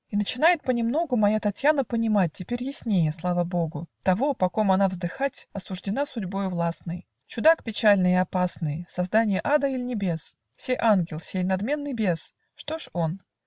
И начинает понемногу Моя Татьяна понимать Теперь яснее - слава богу - Того, по ком она вздыхать Осуждена судьбою властной: Чудак печальный и опасный, Созданье ада иль небес, Сей ангел, сей надменный бес, Что ж он?